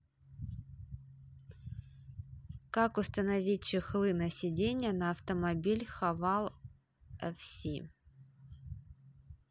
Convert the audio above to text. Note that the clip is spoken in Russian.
как установить чехлы на сидения на автомобиль haval fc